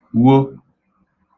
-wo